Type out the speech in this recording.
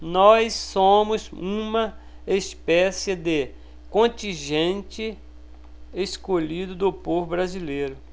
nós somos uma espécie de contingente escolhido do povo brasileiro